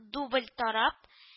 Дубль-трап